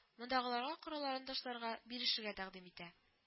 Мондагыларга коралларын ташларга, бирешергә тәкъдим итә